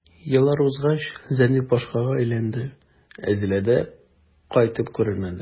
Еллар узгач, Зәниф башкага өйләнде, ә Зәлидә кайтып күренмәде.